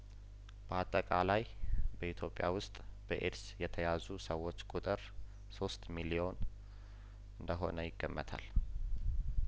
በአጠቃላይ በኢትዮጵያ ውስጥ በኤድስ የተያዙ ሰዎች ቁጥር ሶስት ሚሊዮን እንደሆነ ይገመታል